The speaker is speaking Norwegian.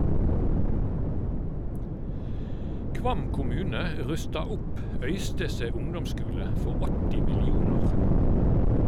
Kvam kommune rusta opp Øystese ungdomsskule for 80 millionar.